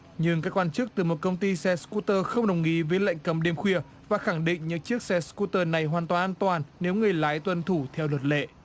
nhưng các quan chức từ một công ty xe sờ cút tơ không đồng ý với lệnh cấm đêm khuya và khẳng định như chiếc xe sờ cút tơ này hoàn toàn an toàn nếu người lái tuân thủ theo luật lệ